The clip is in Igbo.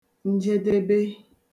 njedebe